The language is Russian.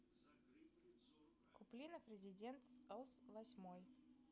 куплинов резидент оо восьмой